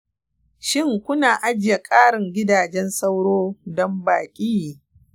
shin kuna ajiye ƙarin gidajen sauro don baƙi?